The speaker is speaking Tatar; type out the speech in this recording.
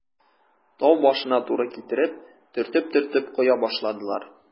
Тау башына туры китереп, төртеп-төртеп коя башладылар.